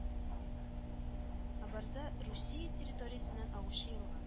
Оборза Русия территориясеннән агучы елга